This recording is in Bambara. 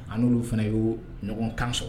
Ani'olu fana y ye ɲɔgɔnkan sɔrɔ